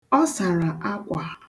Ọ sara akwa.